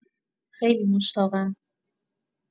خیلی مشتاقم